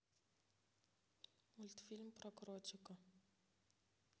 мультфильм про кротика